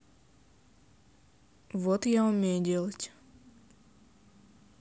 вот я умею делать